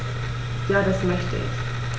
Ja, das möchte ich.